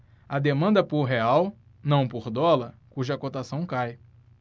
há demanda por real não por dólar cuja cotação cai